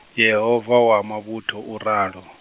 Yehova wa mavhuthu uralo.